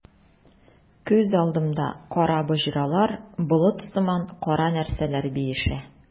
Күз алдымда кара боҗралар, болыт сыман кара нәрсәләр биешә.